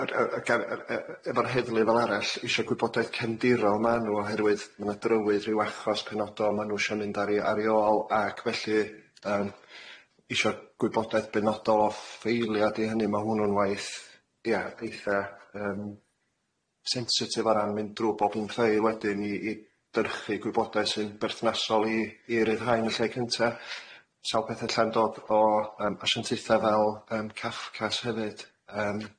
yrrr yrr yrr yrr yrr efo'r heddlu fel arall isio gwybodaeth cefndiol ma nhw oherwydd ma na drywydd rhyw achos penodol ma nhw isio mynd ar ar i ôl ag felly isio gwybodaeth benodol o ffeilio di hyny, ia ma hwna'n waith ia eitha yym sensitif o ran mynd drw bob un ffeil wedyn i i dyrchu gwybodaeth sy'n berthnasol i i ryddhau yn y lle cynta, sa petha ellan dod o asiantaetha fel Cafcas hefyd yym